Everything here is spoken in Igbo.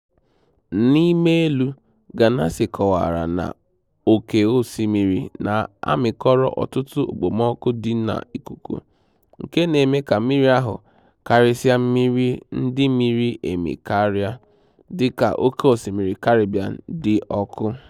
Na imeelụ, Ganase kọwara na oke osimiri na-amịkọrọ ọtụtụ okpomọọkụ dị n'ikuku, nke na-eme ka mmiri ahụ - karịsịa mmiri ndị miri emi karịa, dịka Oké Osimiri Caribbean - dị ọkụ.